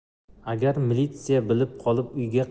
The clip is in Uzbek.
agar militsiya bilib qolib